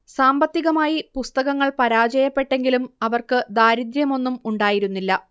സാമ്പത്തികമായി പുസ്തകങ്ങൾ പരാജയപ്പെട്ടെങ്കിലും അവർക്ക് ദാരിദ്ര്യമൊന്നും ഉണ്ടായിരുന്നില്ല